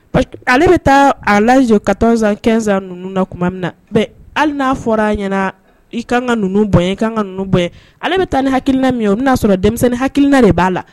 Ale bɛ taa a lazo ka tɔn zan kɛsan ninnu na tuma min na hali n'a fɔra ɲɛna i ka kan ka ninnu bɔ i ka kan ka ninnu bɔ ale bɛ taa ni hakiina min o n'a sɔrɔ denmisɛnnin hakiina de b'a la